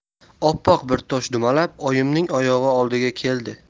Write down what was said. oppoq bir tosh dumalab oyimning oyog'i oldiga keldi